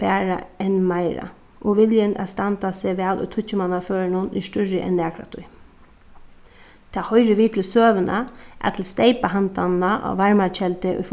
bara enn meira og viljin at standa seg væl í tíggjumannaførunum er størri enn nakrantíð tað hoyrir við til søguna at til steypahandanina á varmakeldu í